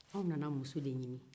anw nana muso de ɲini